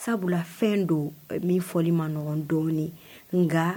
Sabula fɛn don min fɔli maɔgɔn dɔɔnin nka